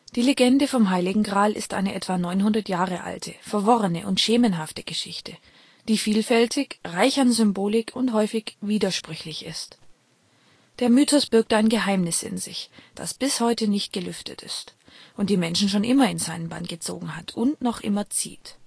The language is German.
Die Legende vom Heiligen Gral ist eine etwa 900 Jahre alte verworrene und schemenhafte Geschichte, die vielfältig, reich an Symbolik und häufig widersprüchlich ist. Der Mythos birgt ein Geheimnis in sich, das bis heute nicht gelüftet ist und die Menschen schon immer in seinen Bann gezogen hat und noch immer zieht